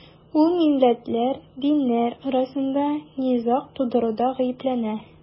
Ул милләтләр, диннәр арасында низаг тудыруда гаепләнә.